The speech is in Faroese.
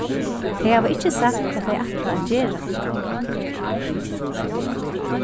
tey hava ikki sagt hvat tey ætla at gera